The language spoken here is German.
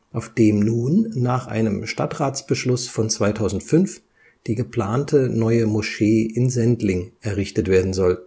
auf dem nun nach einem Stadtratsbeschluss von 2005 die geplante neue Moschee in Sendling errichtet werden soll